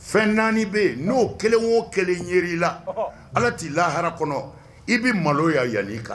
Fɛn naani bɛ yen n'o kelen wo kelen ɲɛ i la ala t'i lahara kɔnɔ i bɛ malo y yanli i kan